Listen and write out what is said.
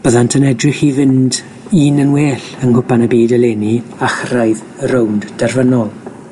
Byddant yn edrych i fynd un yn well yng nghwpan y byd eleni, a chyrraedd y rownd derfynol.